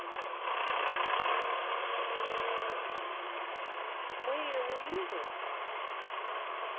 мы и луиза